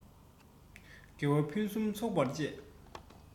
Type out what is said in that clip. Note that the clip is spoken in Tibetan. དགེ བ ཕུན སུམ ཚོགས པར སྤྱད